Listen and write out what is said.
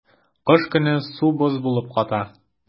Кыш көне су боз булып ката.